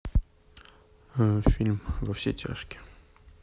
фильм во все тяжкие